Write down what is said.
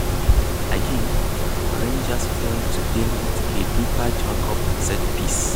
Again Rangers failed to deal with a deep Jacobs set-piece.